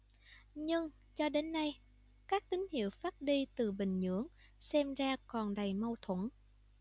nhưng cho đến nay các tín hiệu phát đi từ bình nhưỡng xem ra còn đầy mâu thuẫn